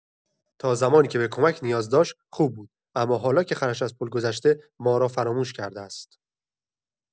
تا زمانی که به کمک نیاز داشت، خوب بود، اما حالا که خرش از پل گذشته، ما را فراموش کرده است.